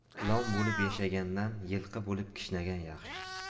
ilon bo'lib yashagandan yilqi bo'lib kishnagan yaxshi